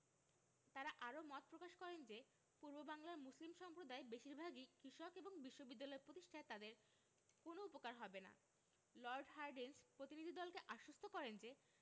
তাঁরা আরও মত প্রকাশ করেন যে পূর্ববাংলার মুসলিম সম্প্রদায় বেশির ভাগই কৃষক এবং বিশ্ববিদ্যালয় প্রতিষ্ঠায় তাদের কোনো উপকার হবে না লর্ড হার্ডিঞ্জ প্রতিনিধিদলকে আশ্বস্ত করেন যে